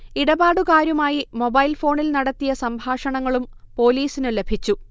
ഇടപാടുകാരുമായി മൊബൈൽഫോണിൽ നടത്തിയ സംഭാഷണങ്ങളും പോലീസിന് ലഭിച്ചു